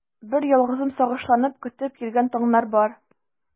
Берьялгызым сагышланып көтеп йөргән таңнар бар.